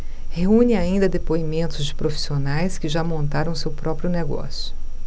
reúne ainda depoimentos de profissionais que já montaram seu próprio negócio